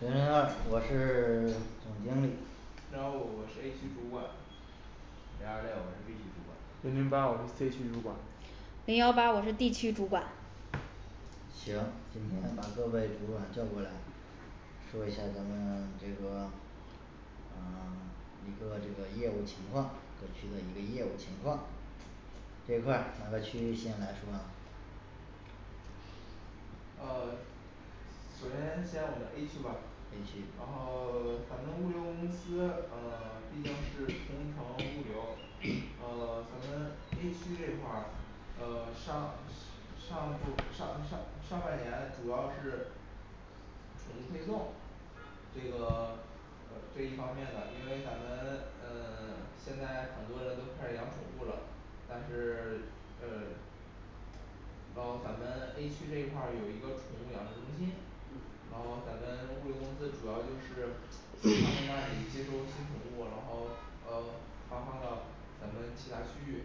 零零二我是 总经理零幺五我是A区主管零二六我是B区主管零零八我是C区主管零幺八我是D区主管行，今天把各位主管叫过来，说一下咱们 这个嗯一个这个业务情况，各区的一个业务情况这一块儿哪个区域先来说呢呃首先先我们A区吧 A，然区后咱们物流公司呃毕竟是同城物流，呃 咱们A区这块儿呃上是 上部上上上半年主要是宠物配送这个呃这一方面的，因为咱们嗯 现在很多人都开始养宠物了，但是 呃然后咱们A区这一块儿有一个宠物养殖中心，然后咱们物流公司主要就是放在那里 接收新宠物，然后呃发放到咱们其他区域，